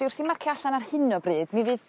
Dwi wrthi marcio allan ar hyn o bryd mi fydd